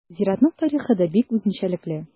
Зиратның тарихы да бик үзенчәлекле.